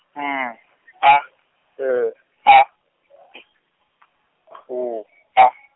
M A L A T W A.